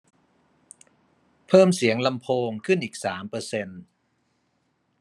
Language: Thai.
เพิ่มเสียงลำโพงขึ้นอีกสามเปอร์เซ็นต์